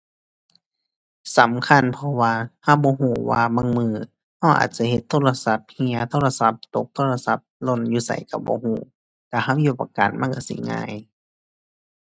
สำคัญ เพราะว่าเราบ่เราว่าบางมื้อเราอาจจะเฮ็ดโทรศัพท์เหี่ย โทรศัพท์ตก โทรศัพท์หล่นอยู่ไสเราบ่เรา ถ้าเรามี ประกันมันเราสิง่าย